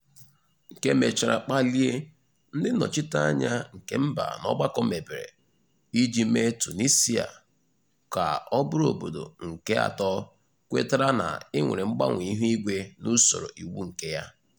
Nke mechara kpalie ndị nnọchiteanya nke mba na ọgbakọ mebere iji mee Tunisia ka ọ bụrụ obodo nke atọ kwetara na e nwere mgbanwe ihuigwe n'usoro iwu nke ya.